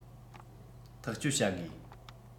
ཐག གཅོད བྱ དགོས